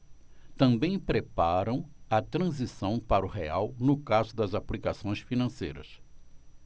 também preparam a transição para o real no caso das aplicações financeiras